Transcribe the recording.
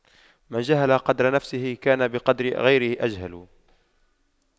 من جهل قدر نفسه كان بقدر غيره أجهل